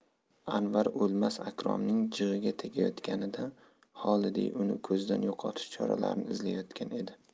anvar o'lmas akromning jig'iga tegayotganida xolidiy uni ko'zdan yo'qotish choralarini izlayotgan edi